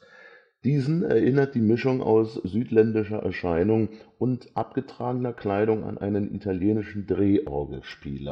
Diesen erinnert die Mischung aus südländischer Erscheinung und abgetragener Kleidung an einen italienischen „ Drehorgelspieler “. Der